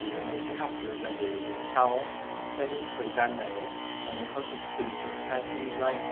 để rồi em ấy học từ từ và về sau có thể tự triển khai kinh doanh